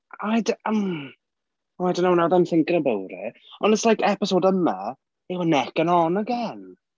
I d- hmm... Ooh I don't know now that I'm thinking about it ond it's like episode yma they were necking on again.